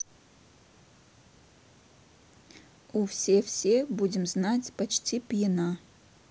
у все все будем знать почти пьяна